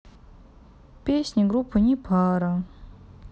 песни группы непара